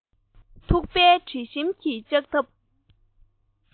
ཐུག པའི དྲི ཞིམ གྱིས ལྕགས ཐབ